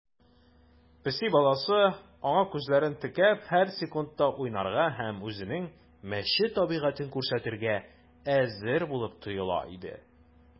Песи баласы, аңа күзләрен текәп, һәр секундта уйнарга һәм үзенең мәче табигатен күрсәтергә әзер булып тоела иде.